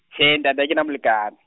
tjhee ntate ha kena molekane.